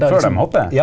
før dem hopper ?